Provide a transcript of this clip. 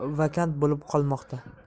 vakant bo'lib qolmoqda